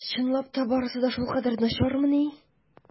Чынлап та барысы да шулкадәр үк начармыни?